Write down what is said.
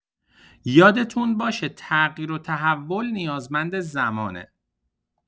یادتون باشه تغییر و تحول نیازمند زمانه.